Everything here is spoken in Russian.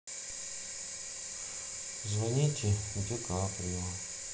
звоните де каприо